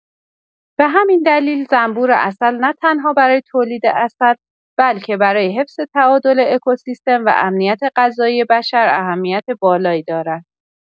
به همین دلیل زنبور عسل نه‌تنها برای تولید عسل، بلکه برای حفظ تعادل اکوسیستم و امنیت غذایی بشر اهمیت بالایی دارد.